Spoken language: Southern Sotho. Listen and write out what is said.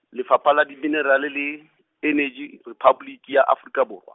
Lefapha la Diminerale, le Eneji, Rephaboliki ya Afrika Borwa.